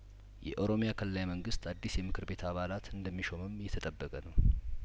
የኦሮሚያ ክልላዊ መንግስት አዲስ የምክር ቤት አባላት እንደሚሾምም እየተጠበቀ ነው